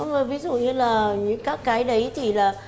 xong rồi ví dụ như là như các cái đấy thì là